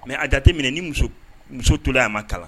Mais a jateminɛ ni muso muso tolaa a ma kalan